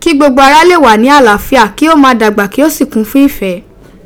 ki gbogbo ara le wa ni alaafia, ki o maa dagba ki o si kun fun ife.